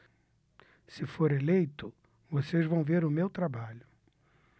se for eleito vocês vão ver o meu trabalho